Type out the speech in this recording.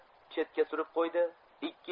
chetga surib qo'ydi